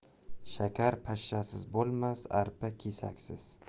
shakar pashshasiz bo'lmas arpa kesaksiz